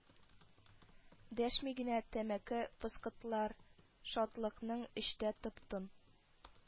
Дәшми генә тәмәке пыскыталар, шатлыкның эчтә тып-тын